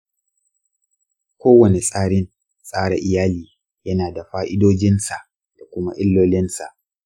kowane tsarin tsara iyali yana da fa’idojinsa da kuma illolinsa.